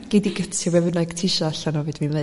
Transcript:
gei 'di gytio be bynnag tisio allan o be dwi'n ddeud